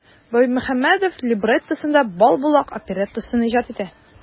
Баймөхәммәдев либреттосына "Балбулак" опереттасын иҗат итә.